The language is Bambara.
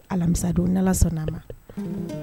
Alamisadon yala sɔnna a ma